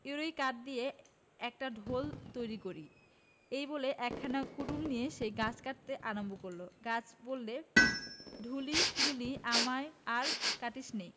এরই কাঠ দিয়ে একটা ঢোল তৈরি করি এই বলে একখানা কুডুল নিয়ে সেই গাছ কাটতে আরম্ভ করলে গাছ বললে ঢুলি ঢুলি আমায় আর কাটিসনে